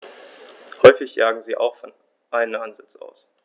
Häufig jagen sie auch von einem Ansitz aus.